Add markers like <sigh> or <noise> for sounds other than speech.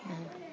<hesitation> <hesitation>